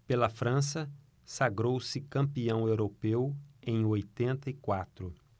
pela frança sagrou-se campeão europeu em oitenta e quatro